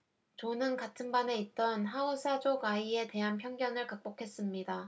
존은 같은 반에 있던 하우사족 아이에 대한 편견을 극복했습니다